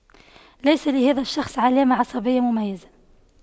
ليس لهذا الشخص علامة عصبية مميزة